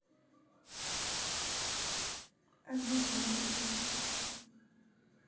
обиженные три